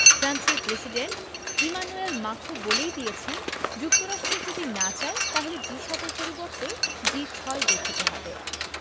ফ্রান্সের president Emmanuel Macron বলেই দিয়েছেন যুক্তরাষ্ট্র যদি না চায় তাহলে জি ৭ এর পরিবর্তে জি ৬ গঠিত হবে